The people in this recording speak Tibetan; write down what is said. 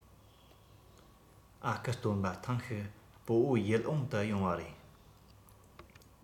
ཨ ཁུ སྟོན པ ཐེངས ཤིག སྤོ བོ ཡིད འོང དུ ཡོང བ རེད